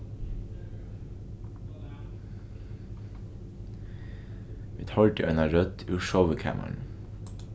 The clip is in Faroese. vit hoyrdu eina rødd úr sovikamarinum